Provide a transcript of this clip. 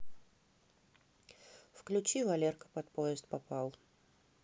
включи валерка под поезд попал